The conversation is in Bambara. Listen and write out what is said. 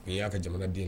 Nin y'a ka jamana den